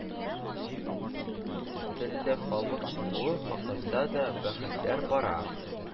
Телле халык булуы хакында да бәхәсләр бара